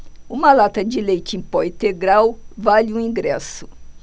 uma lata de leite em pó integral vale um ingresso